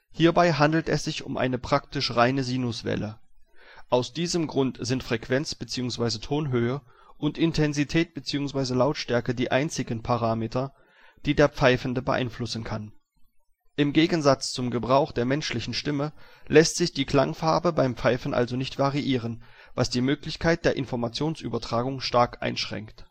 Hierbei handelt es sich um eine praktisch reine Sinuswelle. Aus diesem Grund sind Frequenz (Tonhöhe) und Intensität (Lautstärke) die einzigen Parameter, die der Pfeifende beeinflussen kann. Im Gegensatz zum Gebrauch der menschlichen Stimme lässt sich die Klangfarbe beim Pfeifen also nicht variieren, was die Möglichkeit der Informationsübertragung stark einschränkt